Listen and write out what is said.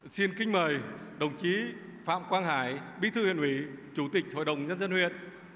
xin kính mời đồng chí phạm quang hải bí thư huyện ủy chủ tịch hội đồng nhân dân huyện